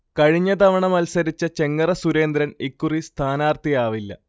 കഴിഞ്ഞതവണ മത്സരിച്ച ചെങ്ങറ സുരേന്ദ്രൻ ഇക്കുറി സ്ഥാനാർഥിയാവില്ല